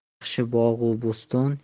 yaxshi bog' u